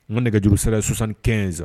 U ma nɛgɛ jurusɛ susan kɛsan